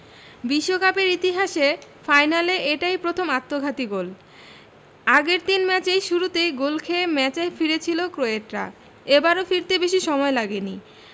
বিশ্বকাপের ইতিহাসে ফাইনালে এটাই প্রথম আত্মঘাতী গোল আগের তিন ম্যাচেই শুরুতে গোল খেয়ে ম্যাচে ফিরেছিল ক্রোয়েটরা এবারও ফিরতে বেশি সময় লাগেনি